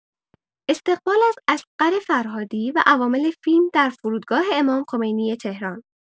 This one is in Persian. استقبال از اصغر فرهادی و عوامل فیلم در فرودگاه امام‌خمینی تهران